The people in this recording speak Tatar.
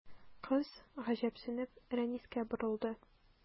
Кыз, гаҗәпсенеп, Рәнискә борылды.